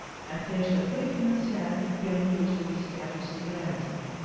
a festa foi financiada pela indústria de cigarros cibrasa